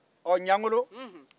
ɔɔ ɲangolo